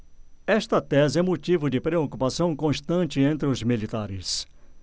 esta tese é motivo de preocupação constante entre os militares